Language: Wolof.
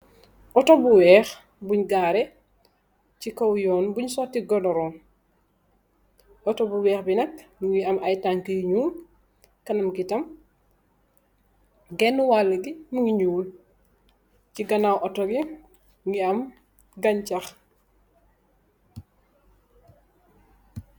Auto bu weex bung garage si kaw yunn bung soti godurun auto bu weex bi nak mogi am ay tanaka yu nuul kanam gi tam genawal gi mogi nuul si ganaw auto gi mogi am ganchah.